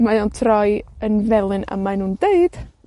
Mae o'n troi yn felyn, a mae nw'n deud